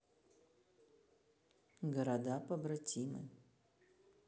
города побратимы